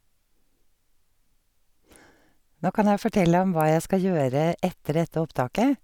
Nå kan jeg fortelle om hva jeg skal gjøre etter dette opptaket.